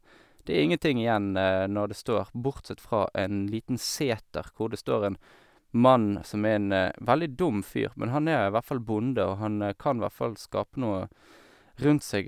Det er ingenting igjen når det står, bortsett fra en liten sæter hvor det står en mann som er en veldig dum fyr, men han er hvert fall bonde, og han kan hvert fall skape noe rundt seg.